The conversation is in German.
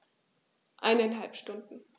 Eineinhalb Stunden